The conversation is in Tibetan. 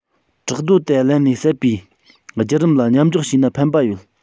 བྲག རྡོ དེ བརླན ནས ཟད པའི བརྒྱུད རིམ ལ མཉམ འཇོག བྱས ན ཕན པ ཡོད